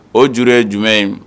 O juru ye jumɛn ye?